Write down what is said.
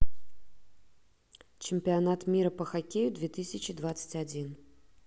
чемпионат мира по хоккею две тысячи двадцать один